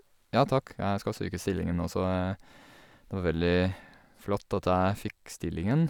Ja takk, jeg skal søke stillingen, og så det var veldig flott at jeg fikk stillingen.